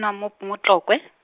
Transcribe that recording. nna mop-, mo Tlokwe.